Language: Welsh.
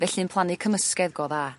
Felly yn plannu cymysgedd go dda.